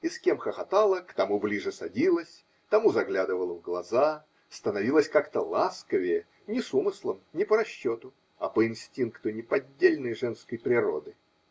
И с кем хохотала, к тому ближе садилась, тому заглядывала в глаза, становилась как-то ласковее -- не с умыслом, не по расчету, а по инстинкту неподдельной женской природы.